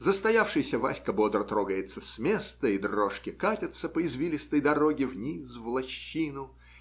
Застоявшийся Васька бодро трогается с места, и дрожки катятся по извилистой дороге вниз, в лощину